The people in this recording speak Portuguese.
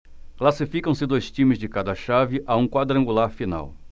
classificam-se dois times de cada chave a um quadrangular final